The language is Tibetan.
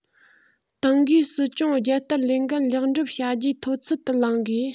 ཏང གིས སྲིད སྐྱོང རྒྱལ དར ལས འགན ལེགས འགྲུབ བྱ རྒྱུའི མཐོ ཚད དུ ལངས དགོས